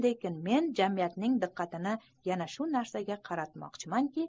lekin men jamiyatning diqqatini yana shu narsaga qaratmoqchimanki